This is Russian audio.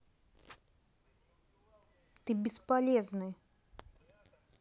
ты бесполезный